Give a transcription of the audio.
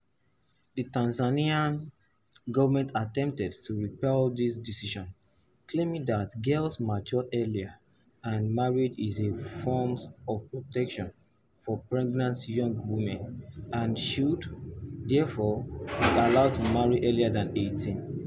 The Tanzanian government attempted to repeal this decision, claiming that girls mature earlier and marriage is a form of protection for pregnant young women, and should, therefore, be allowed to marry earlier than 18.